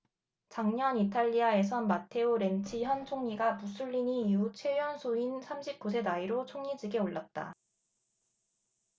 작년 이탈리아에선 마테오 렌치 현 총리가 무솔리니 이후 최연소인 삼십 구 세 나이로 총리직에 올랐다